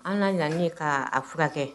An na yan kaa furakɛ kɛ